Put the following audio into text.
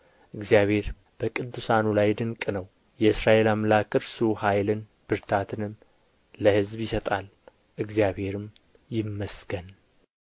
እግዚአብሔር በቅዱሳኑ ላይ ድንቅ ነው የእስራኤል አምላክ እርሱ ኃይልን ብርታትንም ለሕዝቡ ይሰጣል እግዚአብሔርም ይመስገን